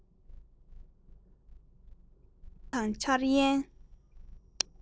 རྟོག བཟོ དང འཆར ཡན